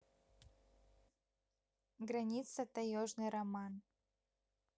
граница таежный роман